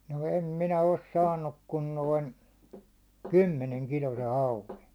no en minä ole saanut kuin noin kymmenen kiloisen hauen